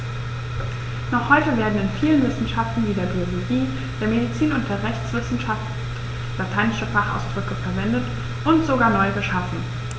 Noch heute werden in vielen Wissenschaften wie der Biologie, der Medizin und der Rechtswissenschaft lateinische Fachausdrücke verwendet und sogar neu geschaffen.